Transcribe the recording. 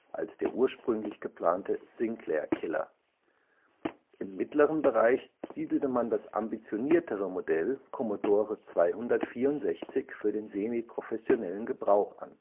als der ursprünglich geplante „ Sinclair Killer “. Im mittleren Bereich siedelte man das ambitioniertere Modell Commodore 264 für den semiprofessionellen Gebrauch an